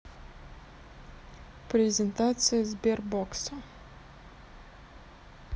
презентация сбербокса